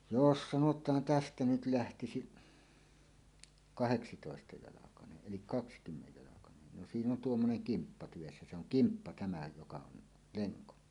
jos sanotaan tästä nyt lähtisi kahdeksantoistajalkainen eli kaksikymmenjalkainen no siinä on tuommoinen kimppa tyvessä se on kimppa tämä joka on lenko